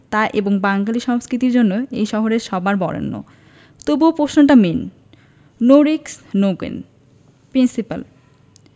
তা এবং বাঙালী সংস্কৃতির জন্য এ শহরে সবার বরেণ্য তবুও প্রশ্নটা main no risk no gain principal